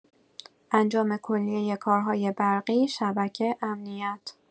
انجام کلیه کارهای برقی، شبکه، امنیت